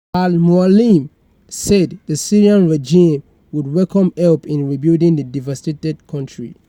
Al-Moualem said the Syrian regime would welcome help in rebuilding the devastated country.